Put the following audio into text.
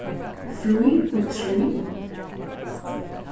frí og trý